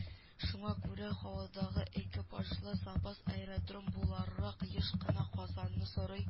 Шуңа күрә һавадагы экипажлар запас аэродром буларак еш кына Казанны сорый